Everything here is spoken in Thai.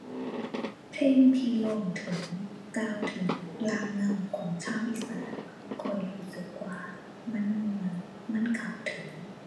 เพลงที่ร้องถึง กล่าวถึง รากเหง้าของชาวอีสาน ข้อยรู้สึกว่ามันม่วน มันเข้าถึง